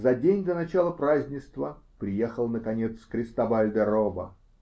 За день до начала празднества приехал наконец Кристобаль де Роба.